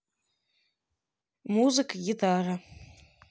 музыка гитара